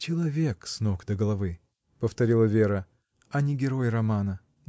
— Человек с ног до головы, — повторила Вера, — а не герой романа!